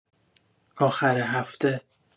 آخر هفته